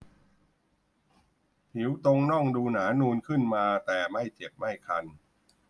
ผิวตรงน่องดูหนานูนขึ้นมาแต่ไม่เจ็บไม่คัน